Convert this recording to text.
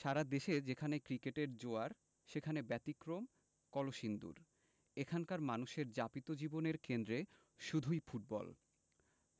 সারা দেশে যেখানে ক্রিকেটের জোয়ার সেখানে ব্যতিক্রম কলসিন্দুর এখানকার মানুষের যাপিত জীবনের কেন্দ্রে শুধুই ফুটবল